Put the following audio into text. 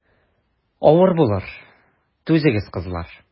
Авыр булыр, түзегез, кызлар.